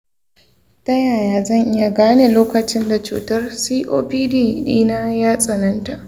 ta yaya zan iya gane lokacin da cutar copd dina ya tsananta?